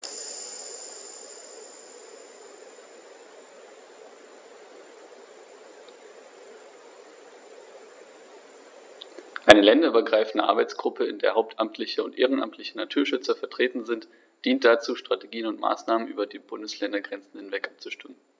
Eine länderübergreifende Arbeitsgruppe, in der hauptamtliche und ehrenamtliche Naturschützer vertreten sind, dient dazu, Strategien und Maßnahmen über die Bundesländergrenzen hinweg abzustimmen.